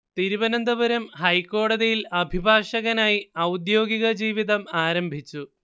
തിരുവനന്തപുരം ഹൈക്കോടതിയിൽ അഭിഭാഷകനായി ഔദ്യോഗിക ജീവിതം ആരംഭിച്ചു